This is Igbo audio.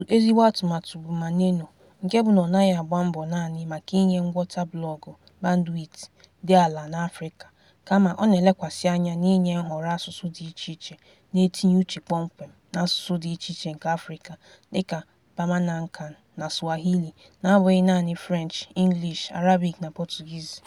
Otu ezigbo atụmatụ bụ Maneno, nke bụ na ọ naghị agba mbọ naanị maka inye ngwọta blọọgụ bandwit dị ala n'Afrịka, kama ọ na-elekwasị anya n'inye nhọrọ asụsụ dị icheiche na-etinye uche kpọmkwem n'asụsụ dị icheiche nke Afrịka dịka Bamanankan na Swahili, n'abụghị naanị French, English, Arabic na Portuguese.